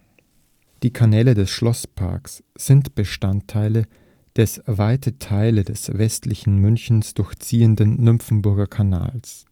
Die Kanäle des Schlossparks sind Bestandteil des weite Teile des westlichen Münchens durchziehenden Nymphenburger Kanals